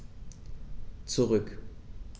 Zurück.